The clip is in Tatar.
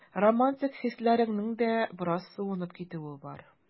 Романтик хисләреңнең дә бераз суынып китүе бар.